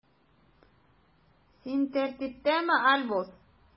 Син тәртиптәме, Альбус?